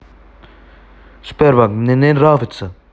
сбербанк мне не нравится